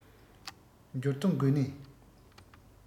འབྱོར ཐོ འགོད གནས